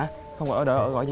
hả không ở đợ gọi